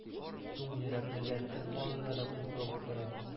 Туң йөрәклеләр тын алырга да куркып утыра.